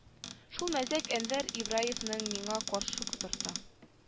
Шул мәзәк әнвәр ибраевны миңа каршы котырта